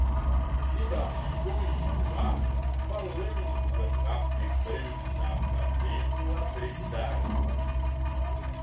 vibrações do ar balançam a membrana fazendo-a trepidar